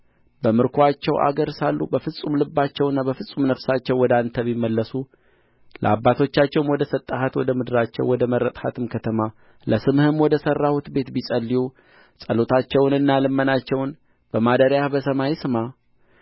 በምርኮአቸው አገር ሳሉ በፍጹም ልባቸውና በፍጹም ነፍሳቸው ወደ አንተ ቢመለሱ ለአባቶቻቸውም ወደ ሰጠሃት ወደ ምድራቸው ወደ መረጥሃትም ከተማ ለስምህም ወደ ሠራሁት ቤት ቢጸልዩ ጸሎታቸውንና ልመናቸውን በማደሪያህ በሰማይ ስማ